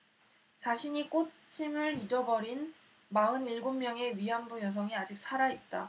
자신이 꽃임을 잊어버린 마흔 일곱 명의 위안부 여성이 아직 살아 있다